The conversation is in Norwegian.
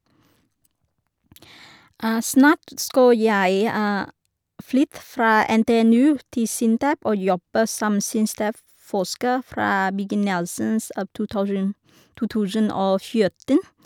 Snart skal jeg flytte fra NTNU til Sintef og jobbe som Sintef-forsker fra begynnelsen av to thousand to tusen og fjorten.